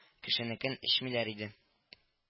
Кешенекен эчмиләр иде